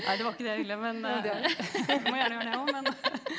nei det var ikke det jeg ville, men dere må gjerne gjøre det òg men.